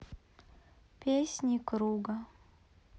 песни круга